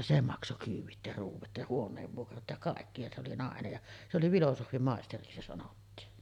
se maksoi kyydit ja ruoat ja huoneenvuokrat ja kaikki ja se oli nainen ja se oli filosofianmaisteriksi se sanottiin